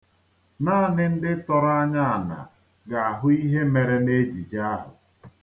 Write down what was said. Naanị ndị tọrọ anya n'ala ga-ahụ ihe mere n'ejije a.